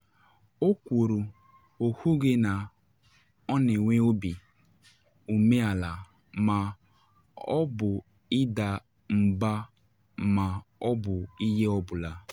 O kwuru “o kwughi na ọ na enwe obi umeala ma ọ bụ ịda mba ma ọ bụ ihe ọ bụla,”.